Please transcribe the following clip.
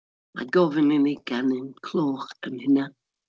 Mae gofyn i ni ganu'n clôch am hynna.